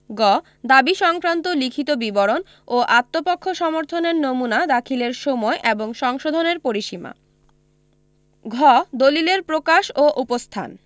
গ দাবী সংক্রান্ত লিখিত বিবরণ ও আত্মপক্ষ সমর্থনের নুমনা দাখিলের সময় এবং সংশোধনের পরিসীমা ঘ দলিলের প্রকাশ ও উপস্থান